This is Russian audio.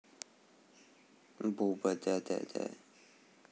буба да да да